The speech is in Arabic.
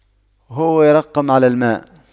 هو يرقم على الماء